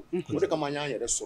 Mori kama y'a yɛrɛ sɔrɔ